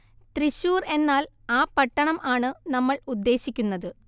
തൃശ്ശൂർ എന്നാൽ ആ പട്ടണം ആണ് നമ്മൾ ഉദ്ദേശിക്കുന്നത്